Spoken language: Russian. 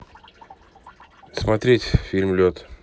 смотреть фильм лед